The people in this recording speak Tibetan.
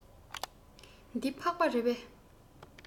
འདི ཕག པ རེད པས